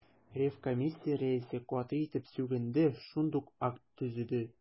Ревкомиссия рәисе каты итеп сүгенде, шундук акт төзеде.